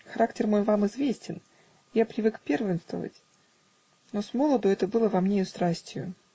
Характер мой вам известен: я привык первенствовать, но смолоду это было во мне страстию.